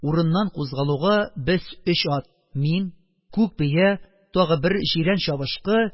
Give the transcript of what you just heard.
Урыннан кузгалуга, без өч ат мин, күк бия, тагы бер җирән чабышкы,